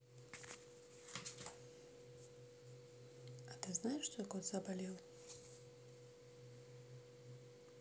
а ты знаешь что кот заболел